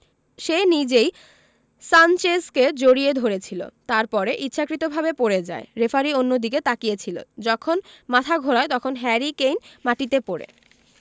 সে নিজেই সানচেজকে জড়িয়ে ধরেছিল তারপরে ইচ্ছাকৃতভাবে পড়ে যায় রেফারি অন্যদিকে তাকিয়ে ছিল যখন মাথা ঘোরায় তখন হ্যারি কেইন মাটিতে পড়ে